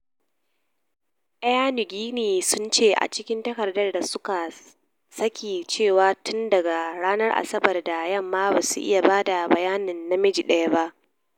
Air Niugini sun ce a cikin takarda da su ka saki cewa tun daga ranar Asabar da yamma, ba su iya bada bayanin namiji daya ba.